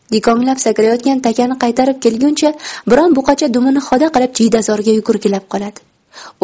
dikonglab sakrayotgan takani qaytarib kelguncha biron buqacha dumini xoda qilib jiydazorga yugurgilab qoladi